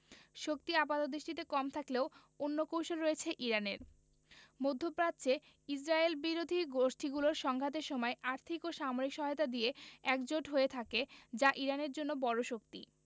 শক্তি আপাতদৃষ্টিতে কম থাকলেও অন্য কৌশল রয়েছে ইরানের মধ্যপ্রাচ্যে ইসরায়েলবিরোধী গোষ্ঠীগুলো সংঘাতের সময় আর্থিক ও সামরিক সহায়তা দিয়ে একজোট হয়ে থাকে যা ইরানের জন্য বড় শক্তি